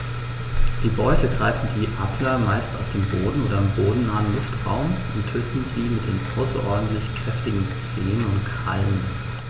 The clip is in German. Die Beute greifen die Adler meist auf dem Boden oder im bodennahen Luftraum und töten sie mit den außerordentlich kräftigen Zehen und Krallen.